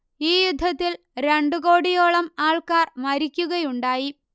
ഈ യുദ്ധത്തിൽ രണ്ടു കോടിയോളം ആൾക്കാർ മരിക്കുകയുണ്ടായി